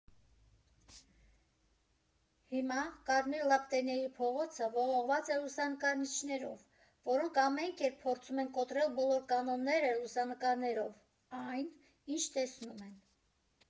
Հիմա կարմիր լապտերների փողոցը ողողված է «լուսանկարիչներով», որոնք ամեն կերպ փորձում են կոտրել բոլոր կանոնները՝ լուսանկարելով այն, ինչ տեսնում են։